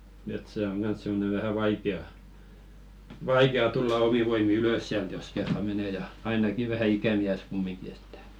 että se on kanssa semmoinen vähän vaikea vaikea tulla omin voimin ylös sieltä jos kerran menee ja ainakin vähän ikämies kumminkin että